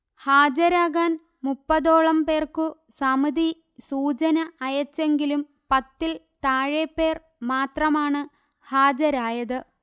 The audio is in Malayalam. ഹാജരാകാൻ മുപ്പതോളം പേർക്ക് സമിതി സൂചന അയച്ചെങ്കിലും പത്തിൽ താഴെപ്പേർ മാത്രമാണ് ഹാജരായത്